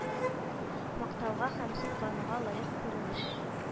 Мактауга һәм соклануга лаек күренеш